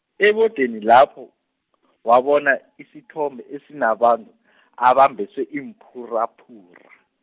ebodeni lapho, wabona isithombe esinabantu , abambeswe iimphuraphura.